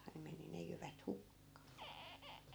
ne meni ne jyvät hukkaan